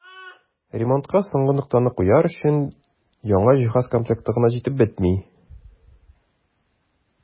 Ремонтка соңгы ноктаны куяр өчен яңа җиһаз комплекты гына җитеп бетми.